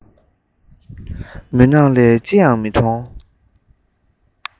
མུན ནག ལས ཅི ཡང མི མཐོང